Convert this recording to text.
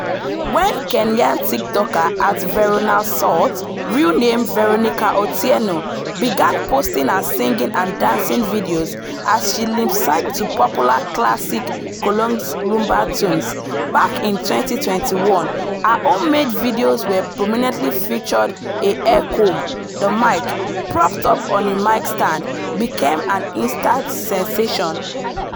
When Kenyan Tiktoker @Veroansalt (real name Veronica Otieno) began posting her singing and dancing videos as she lipsynched to popular classic Congolese Rhumba tunes back in 2021, her homemade videos which prominently featured a hair comb (the mic) propped up on a mic stand became an instant sensation.